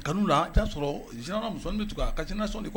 Kanu a y'a sɔrɔ jinana musoni tun kan a kaina sɔn